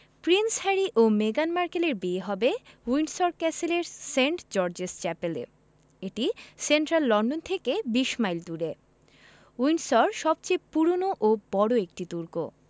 Prince Harry ও মেগান মার্কেলের বিয়ে হবে উইন্ডসর ক্যাসেলের সেন্ট জর্জেস চ্যাপেলে এটি সেন্ট্রাল লন্ডন থেকে ২০ মাইল দূরে উইন্ডসর সবচেয়ে পুরোনো ও বড় একটি দুর্গ